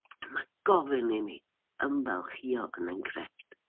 A mae gofyn i ni ymfalchïo yn ein crefft.